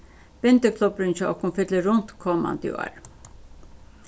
bindiklubburin hjá okkum fyllir runt komandi ár